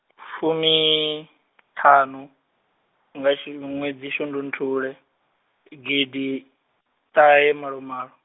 fumiṱhanu, nga shu ṅwedzi shundunthule, gidiṱahemalomalo-.